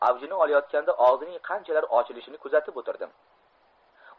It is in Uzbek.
avjini olayotganda og'zining qanchalar ochilishini kuzatib o'tirdim